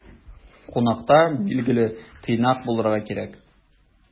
Кунакта, билгеле, тыйнак булырга кирәк.